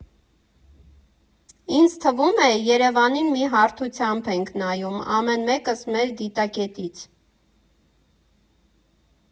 Ինձ թվում է՝ Երևանին մի հարթությամբ ենք նայում, ամեն մեկս մեր դիտակետից։